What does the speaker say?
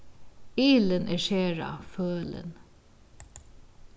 ilin er sera følin